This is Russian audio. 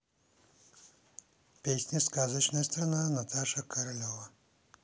песня сказочная страна наташа королева